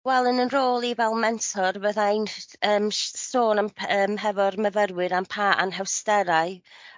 Wel yn 'yn rhôl i fel mentor fyddai'n jst yn sh- sôn sôn am py- yym hefo'r myfyrwyr am pa anhawsterau